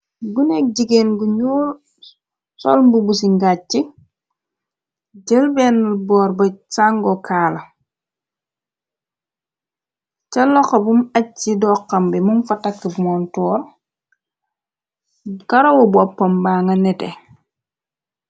Gunek jigeen gu ñuu, solmbu bu ci ngàcc, jël beenl boor ba cango kaala, ca loxa bum aj ci doxam bi mum fatakk montoor, garawu boppam baanga nete.